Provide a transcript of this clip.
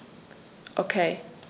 Okay.